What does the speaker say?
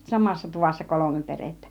samassa tuvassa kolme perhettä